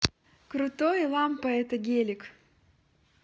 крутой лампа это гелик